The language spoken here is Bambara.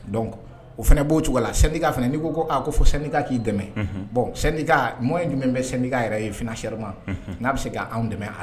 Don o fana b' o cogoya la sannika fana n' ko a ko fo sannika k'i dɛmɛ bɔn san mɔ in jumɛn bɛ bɛ sanka yɛrɛ ye f sema n'a bɛ se k' anw dɛmɛ